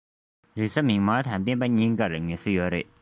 རེས གཟའ ཉི མ དང སྤེན པ གཉིས ཀར ངལ གསོ ཡོད རེད